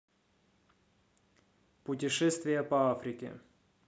путешествие по африке